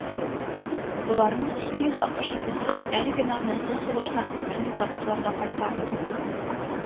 Боларның ике йөз алтмыш икесе әлеге мәгънәсез сугыштан цинк табутларда кайта